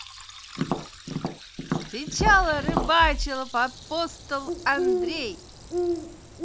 вскричала рыбачила апостол андрей